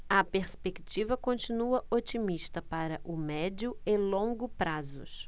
a perspectiva continua otimista para o médio e longo prazos